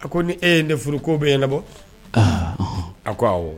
A ko ni e ye ne furu ko bɛ yan nabɔ aa a ko